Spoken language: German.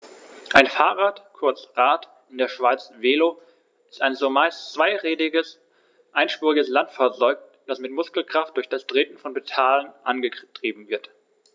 Ein Fahrrad, kurz Rad, in der Schweiz Velo, ist ein zumeist zweirädriges einspuriges Landfahrzeug, das mit Muskelkraft durch das Treten von Pedalen angetrieben wird.